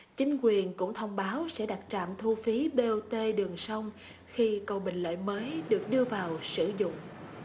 chính quyền cũng thông báo sẽ đặt trạm thu phí bê ô tê đường sông khi cầu bình lợi mới được đưa vào sử dụng